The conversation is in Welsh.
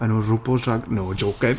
O'r enw Ru Paul's Drag- no joking